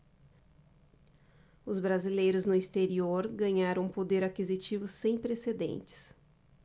os brasileiros no exterior ganharam um poder aquisitivo sem precedentes